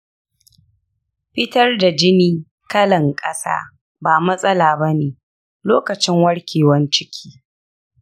fitar da jini kalan ƙasa ba matsala bane lokacin warkewan ciki.